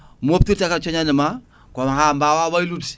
moftirta kadi cooñadi ma ko ha mbawa waylude